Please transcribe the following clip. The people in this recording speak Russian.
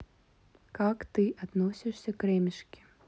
как ты относишься к ремешке